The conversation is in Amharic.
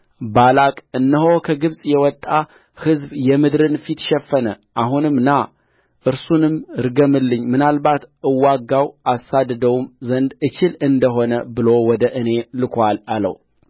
ባላቅ እነሆ ከግብፅ የወጣ ሕዝብ የምድርን ፊት ሸፈነ አሁንም ና እርሱንም ርገምልኝ ምናልባት እወጋው አሳድደውም ዘንድ እችል እንደ ሆነ ብሎ ወደ እኔ ልኮአል አለው